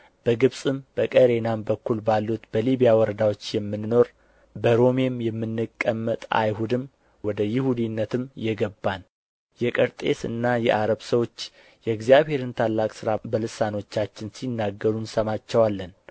በግብፅም በቀሬናም በኩል ባሉት በሊቢያ ወረዳዎች የምንኖር በሮሜም የምንቀመጥ አይሁድም ወደ ይሁዲነትም የገባን የቀርጤስና የዓረብ ሰዎች የእግዚአብሔርን ታላቅ ሥራ በልሳኖቻችን ሲናገሩ እንሰማቸዋለን